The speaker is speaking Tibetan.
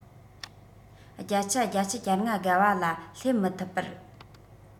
བརྒྱ ཆ ༨༥ བརྒལ བ ལ སླེབས མི ཐུབ པར